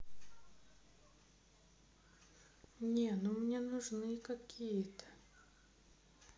не ну мне нужны какие то